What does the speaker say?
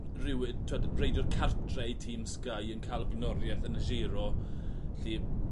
ry- rywun t'wod reidiwr cartre i tîm Sky yn ca'l blaenorieth yn y Giro 'lly